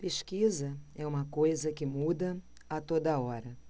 pesquisa é uma coisa que muda a toda hora